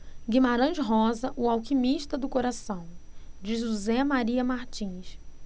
guimarães rosa o alquimista do coração de josé maria martins